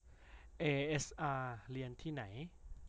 เอเอสอาร์เรียนที่ไหน